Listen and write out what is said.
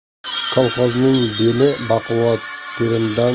kolxozning beli baquvvat terimdan